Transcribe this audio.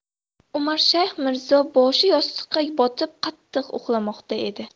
umarshayx mirzo boshi yostiqqa botib qattiq uxlamoqda edi